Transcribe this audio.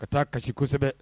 Ka taa kasi kosɛbɛ